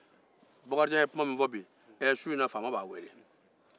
bakarijan ye kuma min fɔ bi ɛɛ su in na faama b'a weele